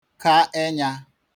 ka enya